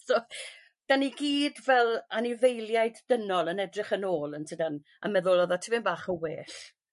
So 'dan ni gyd fel anifeiliaid dynol yn edrych yn ôl yntydan a meddwl odd o tipyn bach o well.